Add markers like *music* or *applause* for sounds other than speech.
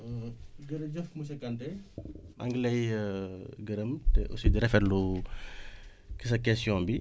*hesitation* jërëjëf monsieur Kanté maa ngi lay *hesitation* gërëm te aussi di rafetlu *breath* sa question bi